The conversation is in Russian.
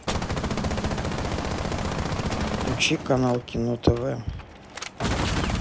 включи канал кино тв